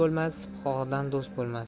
bo'lmas sipohidan do'st bo'lmas